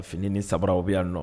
Ka finiini ni sabara u bɛ'a nɔ